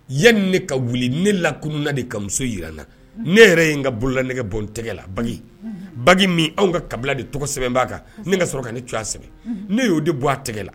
Yanni ne ka wuli ne lakunun na de ka muso jira nna ne yɛrɛ ye n ka bolola nɛgɛgɛ bɔ tɛgɛ la ba ba min anw ka kabila de tɔgɔ sɛbɛn b'a kan ne ka sɔrɔ ka ne sɛbɛn ne y' di bɔ a tɛgɛ la